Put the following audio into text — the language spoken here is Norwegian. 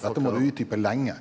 dette må du utdype lenge.